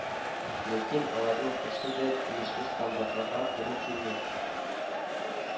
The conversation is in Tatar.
Ләкин аларның берсе дә тиешле стандартларга туры килми